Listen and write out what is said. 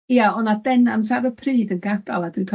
Ond yym ia o'dd 'na denant ar y pryd yn gadal a